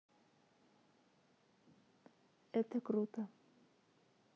это круто